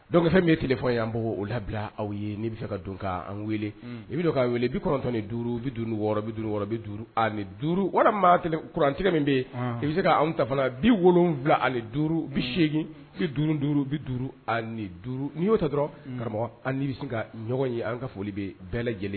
Dɔwfɛn min' ye tile fɔ ye an b bɔ oo labila aw ye n bɛ se ka don k' an weele i bɛ' weele biktɔn ni duuru bi duuru duuru ani duuru walima kurantigɛ min bɛ yen i bɛ se k'an ta bi wolowula ani duuru bi seegin bi duuru duuru bi duuru ani duuru'i y'o dɔrɔn karamɔgɔ an bɛ se ka ɲɔgɔn ye an ka foli bɛ bɛɛ lajɛlen